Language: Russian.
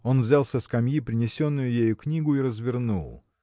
Он взял со скамьи принесенную ею книгу и развернул.